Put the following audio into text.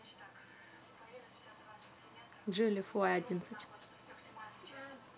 джилли ф уай одиннадцать